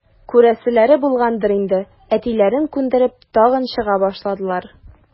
Күрәселәре булгандыр инде, әтиләрен күндереп, тагын чыга башладылар.